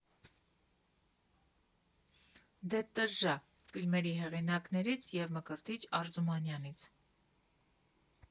Դե տժժա» ֆիլմերի հեղինակներից և Մկրտիչ Արզումանյանից։